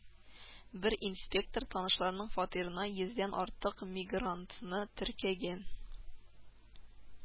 Бер инспектор танышларының фатирына йөздән артык мигрантны теркәгән